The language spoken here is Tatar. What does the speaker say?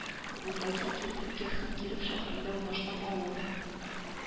Булдаки Киров өлкәсенең Киров шәһәрендә урнашкан авыл